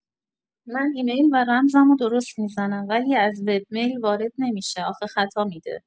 من ایمیل و رمزمو درست می‌زنم ولی از وب میل وارد نمی‌شه آخه خطا می‌ده